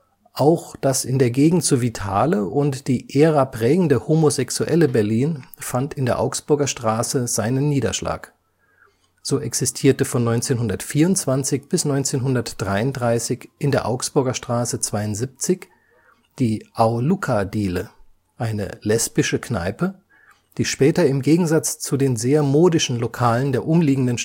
Auch das in der Gegend so vitale und die Ära prägende homosexuelle Berlin fand in der Augsburger Straße seinen Niederschlag. So existierte von 1924 bis 1933 in der Augsburger Straße 72 die „ Auluka-Diele “, eine lesbische Kneipe, die später im Gegensatz zu den sehr modischen Lokalen der umliegenden